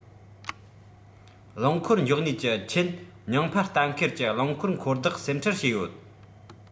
རླངས འཁོར འཇོག གནས ཀྱི ཆེད སྙིང འཕར ལྟ མཁན གྱི རླངས འཁོར འཁོར བདག སེམས ཁྲལ བྱེད ཡོད